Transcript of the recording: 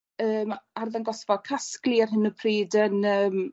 yym arddangosfa casglu ar hyn o pryd yn yym